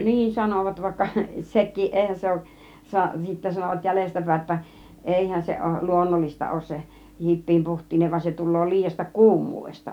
niin sanoivat vaikka sekin eihän se ole se sitten sanoivat jäljestäpäin jotta eihän se ole luonnollista ole se hipiän puhtiainen vaan se tulee liiasta kuumuudesta